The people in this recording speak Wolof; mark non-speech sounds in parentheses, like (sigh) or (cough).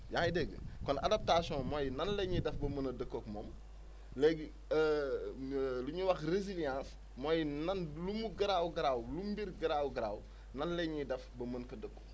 yaa ngi dégg kon adaptation mooy nan la ñuy def ba mën a dëkkoog moom léegi (hesitation) lu ñuy wax résilience mooy nan lu mu garaaw garaaw lu mbir garaaw garaaw nan la ñuy def ba mun ko dékku